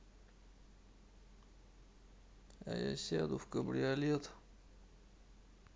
а я сяду в кабриолет